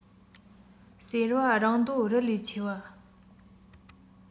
ཟེར བ རང འདོད རི ལས ཆེ བ